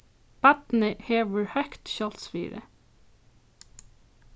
barnið hevur høgt sjálvsvirði